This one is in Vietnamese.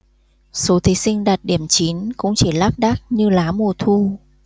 số thí sinh đạt điểm chín cũng chỉ lác đác như lá mùa thu